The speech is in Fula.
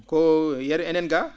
ko yeru enen gaa